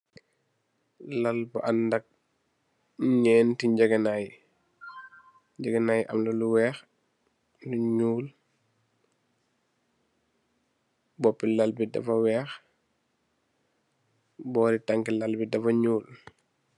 Lal bu andak ñenti ngegenaay. Ngegenaay am na lu weeh, lu ñuul. Boppi lal bi dafa weeh, bori tanki lal bi dafa ñuul.